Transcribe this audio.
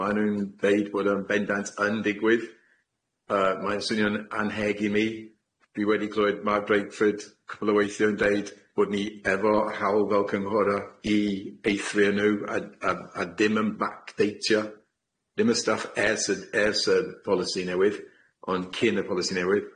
Ma' nw'n ddeud bod y bendant yn digwydd, yy mae'n swnio'n anheg i mi dwi wedi clywed Mark Brakeford cwpwl o weithie yn deud bod ni efo hawl fel cynghora i eithrio nw a a a dim yn backdeitio, dim y stuff ers y ers y polisi newydd ond cyn y polisi newydd.